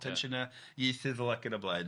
...tensiynau ieithyddol ac yn y blaen.